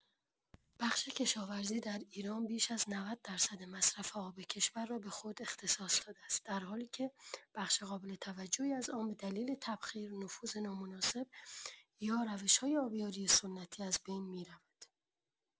بخش کشاورزی در ایران بیش از ۹۰ درصد مصرف آب کشور را به خود اختصاص داده است، در حالی که بخش قابل توجهی از آن به دلیل تبخیر، نفوذ نامناسب یا روش‌های آبیاری سنتی از بین می‌رود.